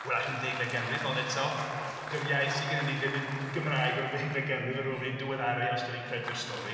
Hwyrach y deuddegfed ganrif ond eto dyw'r iaith sydd efo ni ddim yn Gymraeg ddeuddegfed ganrif a wedi diweddaru os dan ni'n credu'r stori.